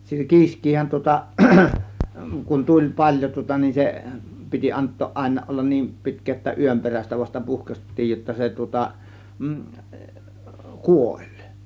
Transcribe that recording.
kiiskihän tuota kun tuli paljon tuota niin se piti antaa aina olla niin pitkään jotta yön perästä vasta puhkaistiin jotta se tuota kuoli